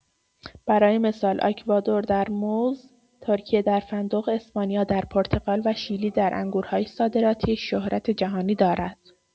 برای مثال، اکوادور در موز، ترکیه در فندق، اسپانیا در پرتقال و شیلی در انگورهای صادراتی شهرت جهانی دارد.